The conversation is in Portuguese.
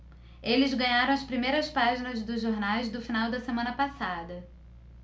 eles ganharam as primeiras páginas dos jornais do final da semana passada